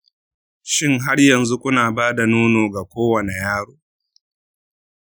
shin har yanzu kuna ba da nono ga kowane yaro?